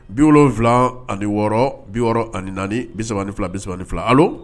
76 64 32 32 Allo